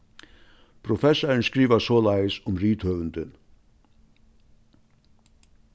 professarin skrivar soleiðis um rithøvundin